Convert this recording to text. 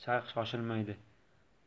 shayx shoshilmaydi